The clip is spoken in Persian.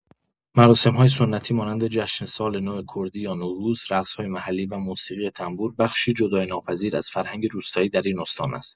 مراسم‌های سنتی مانند جشن سال‌نو کردی یا نوروز، رقص‌های محلی و موسیقی تنبور بخشی جدایی‌ناپذیر از فرهنگ روستایی در این استان است.